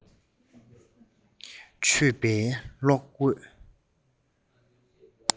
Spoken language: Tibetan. འཕྲོས པའི གློག འོད